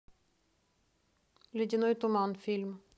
ледяной туман фильм